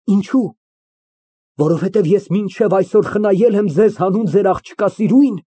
Ինչո՞ւ։ Որովհետև ես մինչև այսօր խնայել եմ ձեզ՝ հանուն ձեր աղջկա սիրուն։